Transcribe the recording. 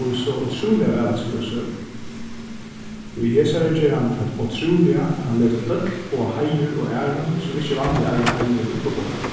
dugir so ótrúliga væl at skriva søgur í hesari ger hann tað ótrúliga at hann letur øll fáa heiður og æru sum ikki vanliga eiga heiður uppibornan